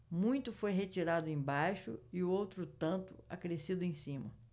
muito foi retirado embaixo e outro tanto acrescido em cima